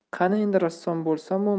qani endi rassom bo'lsamu